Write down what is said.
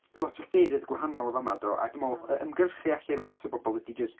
lot o ffeirydd gwahanol yn fan yma do... Do. ... A dwi'n meddwl ymgyrchu alle i lot o bobl ydy jyst...